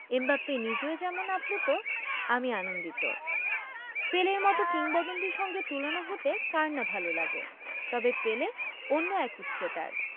Mbappe নিজেও যেমন আপ্লুত আমি আনন্দিত পেলের মতো কিংবদন্তির সঙ্গে তুলনা হতে কার না ভালো লাগে তবে পেলে অন্য এক উচ্চতার